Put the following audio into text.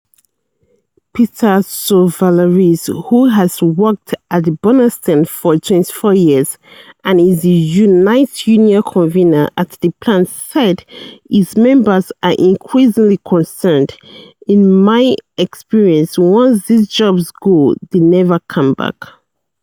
A government spokesperson said: "We have put forward a precise and credible plan for our future relationship with the EU."